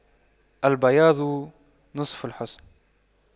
البياض نصف الحسن